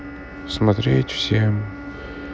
смотреть всем